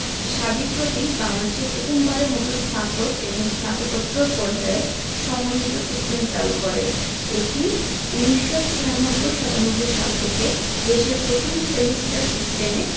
সাবিপ্রবি বাংলাদেশে প্রথম বারের মতো স্নাতক এবং স্নাতকোত্তর পর্যায়ে সমন্বিত সিস্টেম চালু করে এটি ১৯৯৬ ৯৭ সাল থেকে দেশের প্রথম সেমিস্টার সিস্টেমে